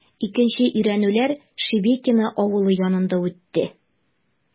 Икенче өйрәнүләр Шебекиио авылы янында үтте.